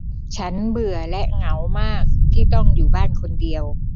ฉันเบื่อและเหงามากที่ต้องอยู่บ้านคนเดียว